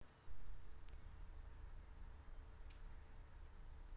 что такое боли памперс